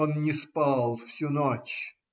Он не спал всю ночь.